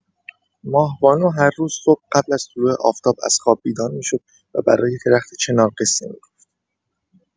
ماه‌بانو هر روز صبح، قبل از طلوع آفتاب از خواب بیدار می‌شد و برای درخت چنار قصه می‌گفت.